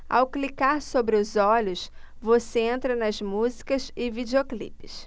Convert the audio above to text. ao clicar sobre os olhos você entra nas músicas e videoclipes